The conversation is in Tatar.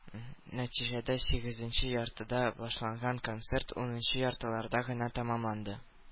Нәтиҗәдә, сигезенче яртыда башланган концерт унынчы яртыларда гына тәмамланды.